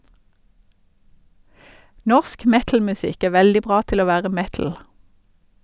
Norsk metalmusikk er veldig bra til å være metal.